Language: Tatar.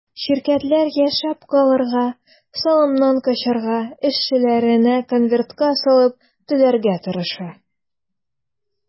Ширкәтләр яшәп калырга, салымнан качарга, эшчеләренә конвертка салып түләргә тырыша.